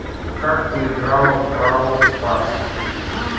как ты играла в brawl stars